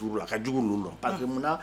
Ka jugu ninnu